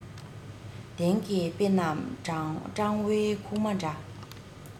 དེང གི དཔེ རྣམས སྤྲང བོའི ཁུག མ འདྲ